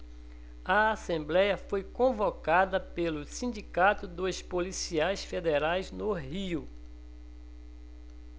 a assembléia foi convocada pelo sindicato dos policiais federais no rio